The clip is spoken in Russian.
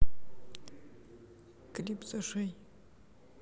клип зашей